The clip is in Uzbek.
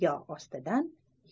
yo ostidan